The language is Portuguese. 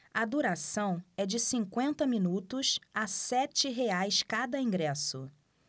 a duração é de cinquenta minutos a sete reais cada ingresso